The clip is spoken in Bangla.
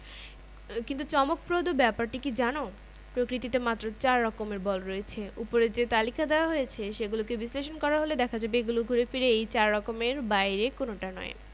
কিন্তু চমকপ্রদ ব্যাপারটি কী জানো প্রকৃতিতে মাত্র চার রকমের বল রয়েছে ওপরে যে তালিকা দেওয়া হয়েছে সেগুলোকে বিশ্লেষণ করা হলে দেখা যাবে এগুলো ঘুরে ফিরে এই চার রকমের বাইরে কোনোটা নয়